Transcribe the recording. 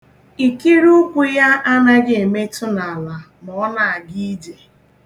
Ikiri ụkwụ ya anaghị emetụ n'ala ma ọ na-aga ije.